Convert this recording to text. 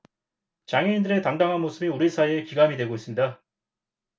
장애인들의 당당한 모습이 우리 사회의 귀감이 되고 있습니다